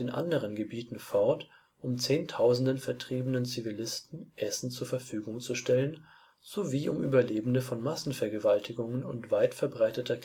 anderen Gebieten fort, um Zehntausenden vertriebener Zivilisten Essen zur Verfügung zu stellen sowie um Überlebende von Massenvergewaltigungen und weit verbreiteter